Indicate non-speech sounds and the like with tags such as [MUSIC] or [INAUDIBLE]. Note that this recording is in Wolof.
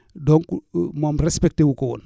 donc [HESITATION] moom respecté wu ko woon